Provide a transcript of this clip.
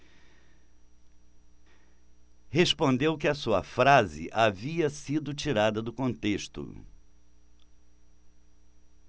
respondeu que a sua frase havia sido tirada do contexto